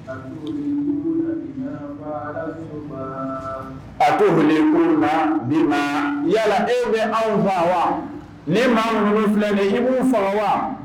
A ko foli ko bi yalala e bɛ anw faa wa ne maunu filɛ ni i fɔlɔ wa